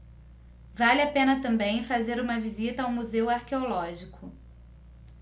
vale a pena também fazer uma visita ao museu arqueológico